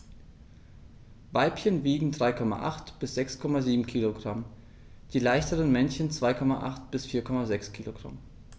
Weibchen wiegen 3,8 bis 6,7 kg, die leichteren Männchen 2,8 bis 4,6 kg.